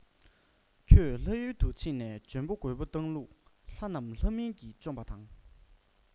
ཁྱོད ལྷ ཡུལ དུ ཕྱིན ནས འཇོན པོ རྒོས པོ བཏང ལུགས ལྷ རྣམས ལྷ མིན གྱིས བཅོམ པ དང